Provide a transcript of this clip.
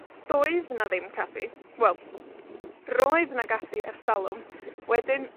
Doedd 'na ddim caffi, wel, roedd 'na gaffi ers talwm, wedyn,